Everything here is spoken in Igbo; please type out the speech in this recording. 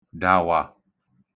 dàwà